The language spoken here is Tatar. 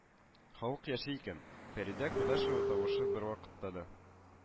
Халык яши икән, Фәридә Кудашева тавышы бервакытта да